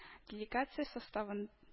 Делегация составын